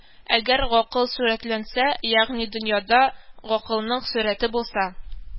Әгәр гакыл сурәтләнсә, ягъни дөньяда гакылның сурәте булса